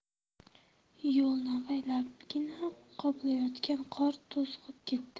yo'lni avaylabgina qoplayotgan qor to'zg'ib ketdi